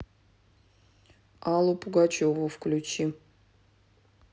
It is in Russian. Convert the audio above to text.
аллу пугачеву включи